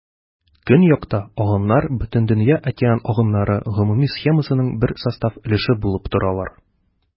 Көньякта агымнар Бөтендөнья океан агымнары гомуми схемасының бер состав өлеше булып торалар.